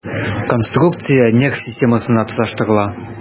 Конструкция нерв системасына тоташтырыла.